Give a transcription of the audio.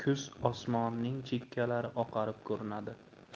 kuz osmonining chekkalari oqarib ko'rinadi